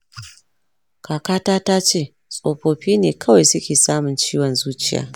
kaka ta tace tsofaffi ne kawai suke samun ciwon zuciya.